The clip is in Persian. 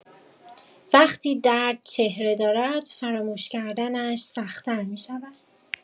وقتی درد چهره دارد، فراموش کردنش سخت‌تر می‌شود.